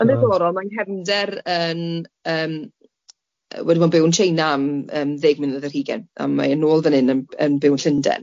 Yn ddiddorol mae'n nghefnder yn yym wedi bod yn byw yn Tsieina am yym ddeg mlynedd ar hugain a mae e'n nôl fan hyn yn yn byw yn Llundain.